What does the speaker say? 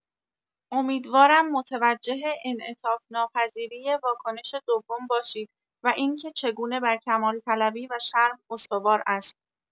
امیدوارم متوجه انعطاف‌ناپذیری واکنش دوم باشید و اینکه چگونه بر کمال‌طلبی و شرم استوار است.